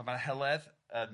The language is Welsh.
ma' Heledd yn